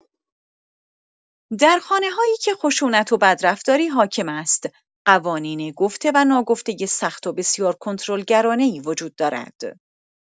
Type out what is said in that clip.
در خانه‌هایی که خشونت و بدرفتاری حاکم است، قوانین گفته و ناگفته سخت و بسیار کنترل گرانه‌ای وجود دارد.